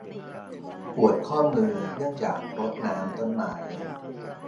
ปวดข้อมือเนื่องจากรดน้ำต้นไม้